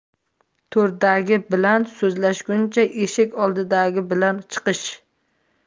to'rdagi bilan so'zlashguncha eshik oldidagi bilan chiqish